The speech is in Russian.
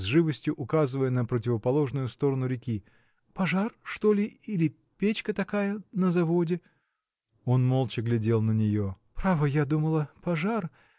с живостью указывая на противоположную сторону реки – пожар что ли или печка такая. на заводе?. Он молча глядел на нее. – Право, я думала – пожар.